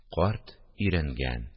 Карт өйрәнгән